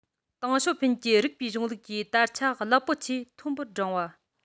ཏེང ཞའོ ཕིན གྱི རིགས པའི གཞུང ལུགས ཀྱི དར ཆ རླབས པོ ཆེ མཐོན པོར བསྒྲེངས བ